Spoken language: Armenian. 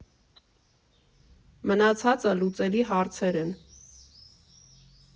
Մնացածը լուծելի հարցեր են։